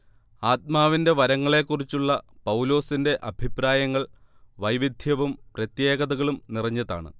ആത്മാവിന്റെ വരങ്ങളെക്കുറിച്ചുള്ള പൗലോസിന്റെ അഭിപ്രായങ്ങൾ വൈവിദ്ധ്യവും പ്രത്യേകതകളും നിറഞ്ഞതാണ്